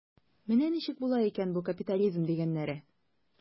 Менә ничек була икән бу капитализм дигәннәре.